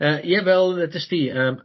Yy ie fel ddedest di yym...